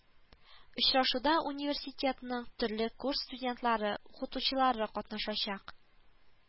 Очрашуда университетның төрле курс студентлары, укытучылары катнашачак